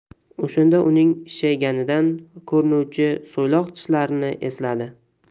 o'shanda uning ishshayganidan ko'rinuvchi so'ylok tishlarini esladi